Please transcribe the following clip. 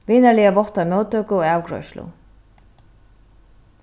vinarliga vátta móttøku og avgreiðslu